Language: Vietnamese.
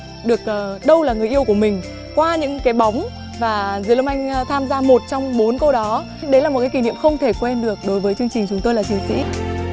được ờ đâu là người yêu của mình qua những cái bóng và diệp lâm anh tham gia một trong bốn cô đó đấy là một kỷ niệm không thể quên được đối với chương trình chúng tôi là chiến sĩ